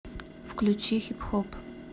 включи хип хоп